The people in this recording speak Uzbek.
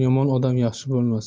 yomon odam yaxshi bo'lmas